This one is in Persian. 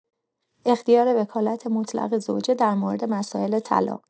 اختیار وکالت مطلق زوجه در مورد مسائل طلاق